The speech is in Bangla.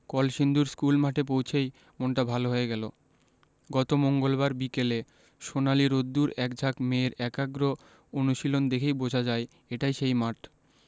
কলসিন্দুর স্কুলমাঠে পৌঁছেই মনটা ভালো হয়ে গেল গত মঙ্গলবার বিকেলে সোনালি রোদ্দুর একঝাঁক মেয়ের একাগ্র অনুশীলন দেখেই বোঝা যায় এটাই সেই মাঠ